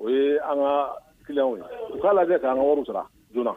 O ye an ka kiw ye u k'a lajɛ k'an ka woro sara joona